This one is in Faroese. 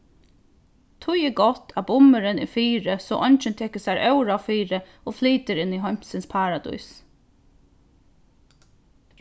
tí er gott at bummurin er fyri so eingin tekur sær óráð fyri og flytur inn í heimsins paradís